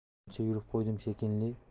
ancha yurib qo'ydim shekilli